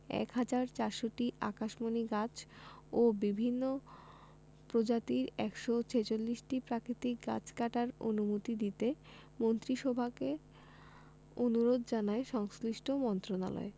১ হাজার ৪০০টি আকাশমণি গাছ ও বিভিন্ন প্রজাতির ১৪৬ টি প্রাকৃতিক গাছ কাটার অনুমতি দিতে মন্ত্রিসভাকে অনুরোধ জানায় সংশ্লিষ্ট মন্ত্রণালয়